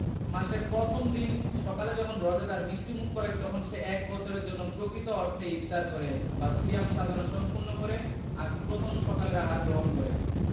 মাসের প্রথম দিন সকালে যখন রোজাদার মিষ্টিমুখ করে তখন সে এক বছরের জন্য প্রকৃত অর্থে ইফতার করে বা সিয়াম সাধনা সম্পূর্ণ করে আজ প্রথম সকালের আহার গ্রহণ করে